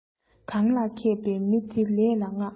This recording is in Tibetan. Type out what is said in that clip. གང ལ མཁས པའི མི དེ ལས ལ མངགས